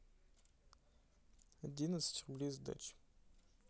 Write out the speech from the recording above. одиннадцать рублей сдачи